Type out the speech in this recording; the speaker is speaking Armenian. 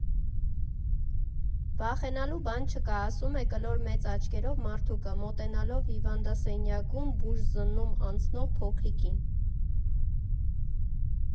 «Վախենալու բան չկա»,֊ ասում է կլոր մեծ աչքերով մարդուկը՝ մոտենալով հիվանդասենյակում բուժզննում անցնող փոքրիկին։